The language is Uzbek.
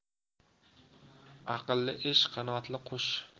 aqlli ish qanotli qush